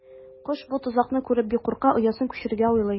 Кош бу тозакны күреп бик курка, оясын күчерергә уйлый.